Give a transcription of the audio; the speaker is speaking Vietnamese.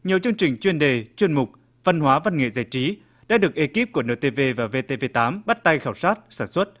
nhiều chương trình chuyên đề chuyên mục văn hóa văn nghệ giải trí đã được ê kíp của nờ tê vê và vê tê vê tám bắt tay khảo sát sản xuất